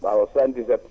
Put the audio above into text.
waaw 77